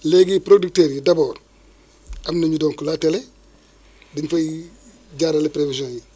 léegi produecteurs yi d' abord am nañu donc la télé dañu fay jaarale prévisions yi